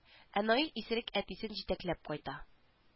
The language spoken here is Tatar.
Ә наил исерек әтисен җитәкләп кайта